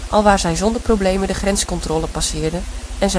alwaar zij zonder problemen de grenscontrole passeerde en